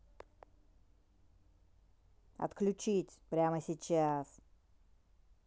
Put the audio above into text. отключить прямо сейчас